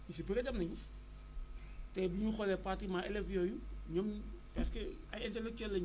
ñu si bëre dem nañu tey bu ñu xoolee pratiquement élève yooyu ñoom parce que ay intellectuels la ñu